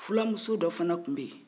fla muso dɔ fana tun bɛ yen